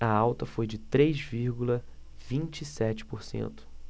a alta foi de três vírgula vinte e sete por cento